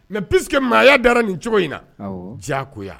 Mais puisque maaya dara nin cogo in na, awɔ, diya koya.